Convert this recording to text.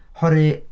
Oherwydd.